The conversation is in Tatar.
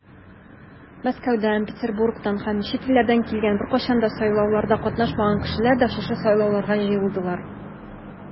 Мәскәүдән, Петербургтан һәм чит илдән килгән, беркайчан да сайлауларда катнашмаган кешеләр дә шушы сайлауларга җыелдылар.